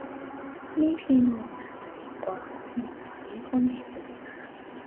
มีพี่น้องน่าจะดีกว่า ญ้อนว่ามีคนให้ปรึกษา